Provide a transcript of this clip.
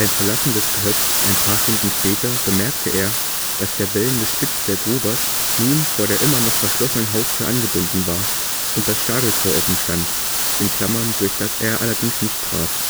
Verlassen des Gehöfts ein paar Stunden später bemerkte er, dass der bellende Spitz der Grubers nun vor der immer noch verschlossenen Haustür angebunden war und das Stadeltor offenstand (durch das er allerdings nicht trat